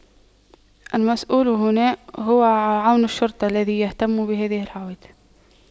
المسؤول هنا هو عون الشرطة الذي يهتم بهذه الحوادث